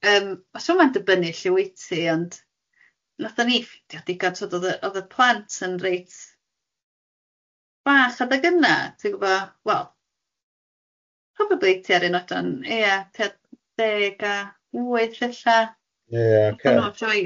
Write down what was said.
Yym ma siwr man'n dibynnu lle wyt ti, ond wnaethon ni ff- yy digon tibod oedd y oedd y plant yn reit bach adeg yna ti'n gwybo wel probably tua'r un oedran ia tua'r ddeg a wyth ella... Ia ocê.